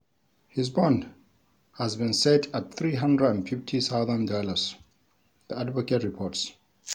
His bond has been set at $350,000, the Advocate reports.